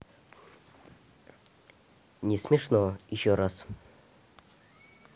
не смешно еще раз